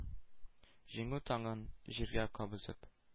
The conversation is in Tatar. Җиңү таңын җиргә кабызып,